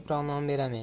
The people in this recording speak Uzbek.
ko'proq non beramen